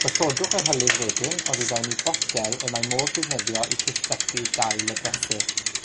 gosodwch yr hylif wedyn oddi fewn i botel y mae modd defnyddio i chwistrellu dail y bresych.